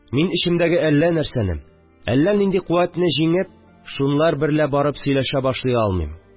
Мин эчемдәге әллә нәрсәне, әллә нинди куәтне җиңеп, шулар берлә барып сөйләшә башлый алмыйм